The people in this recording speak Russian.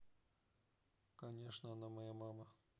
конечно она моя мама